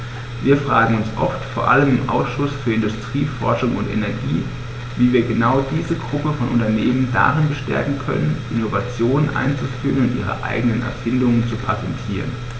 Wir fragen uns oft, vor allem im Ausschuss für Industrie, Forschung und Energie, wie wir genau diese Gruppe von Unternehmen darin bestärken können, Innovationen einzuführen und ihre eigenen Erfindungen zu patentieren.